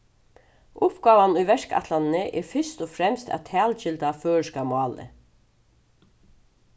uppgávan í verkætlanini er fyrst og fremst at talgilda føroyska málið